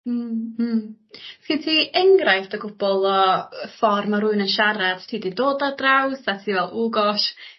Hmm hmm. Sgin ti enghraifft o gwpwl o y ffor ma' rywun yn siarad ti 'di dod a draws nath ti fel w gosh